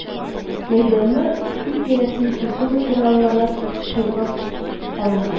Мәйданны, күл тирәсен төзү материаллары чолгап алга